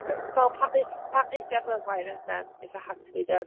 Fel pam neth- ddest ti ar Love Island then, if it had to be done?